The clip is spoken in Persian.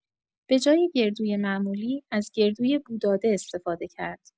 به‌جای گردوی معمولی، از گردوی بو داده استفاده کرد.